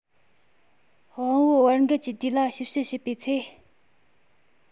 དབང པོའི བར བརྒལ གྱི དུས ལ ཞིབ དཔྱད བྱེད པའི ཚེ